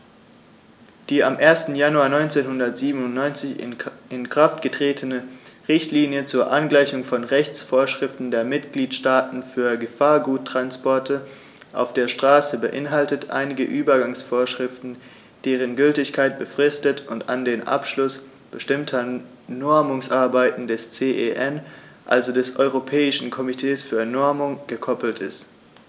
Die am 1. Januar 1997 in Kraft getretene Richtlinie zur Angleichung von Rechtsvorschriften der Mitgliedstaaten für Gefahrguttransporte auf der Straße beinhaltet einige Übergangsvorschriften, deren Gültigkeit befristet und an den Abschluss bestimmter Normungsarbeiten des CEN, also des Europäischen Komitees für Normung, gekoppelt ist.